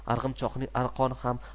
arg'imchoqning arqoni ham